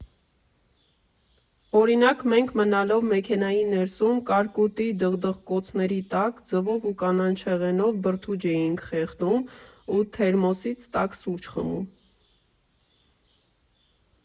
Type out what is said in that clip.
Օրինակ՝ մենք, մնալով մեքենայի ներսում, կարկուտի դխդխկոցների տակ, ձվով ու կանաչեղենով բրդուճ էինք խեղդում ու թերմոսից տաք սուրճ խմում։